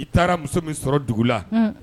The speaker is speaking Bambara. I taara muso min sɔrɔ dugu la